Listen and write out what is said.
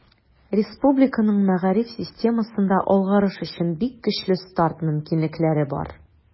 Республиканың мәгариф системасында алгарыш өчен бик көчле старт мөмкинлекләре бар.